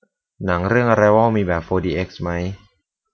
หนังเรื่องอะไรวอลมีแบบโฟร์ดีเอ็กซ์มั้ย